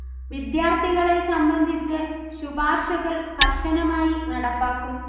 വിദ്യാർഥികളെ സംബന്ധിച്ച് ശുപാർശകൾ കർശനമായി നടപ്പാക്കും